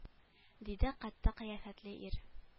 Диде кәттә кыяфәтле ир